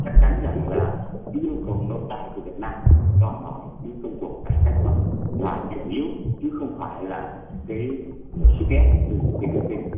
chắc chắn rằng là cái yêu cầu nội tại của việt nam đòi hỏi cái công cuộc cải cách đó là chủ yếu chứ không phải là cái là sức ép từ cái tê pê pê